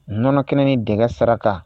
Nɔnɔ kɛnɛ ni dɛgɛ saraka.